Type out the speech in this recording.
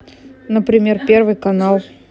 например первый канал